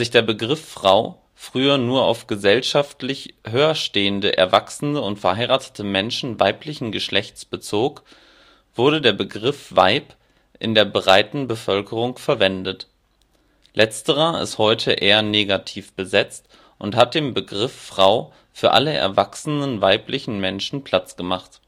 der Begriff Frau früher nur auf gesellschaftlich höherstehende erwachsene und verheiratete Menschen weiblichen Geschlechts bezog, wurde der Begriff Weib in der breiten Bevölkerung verwendet. Letzterer ist heute eher negativ besetzt und hat dem Begriff Frau für alle erwachsenen weiblichen Menschen Platz gemacht